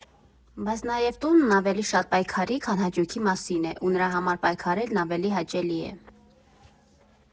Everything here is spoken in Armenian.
Բայց նաև տունն ավելի շատ պայքարի, քան հաճույքի մասին է ու նրա համար պայքարելն ավելի հաճելի է։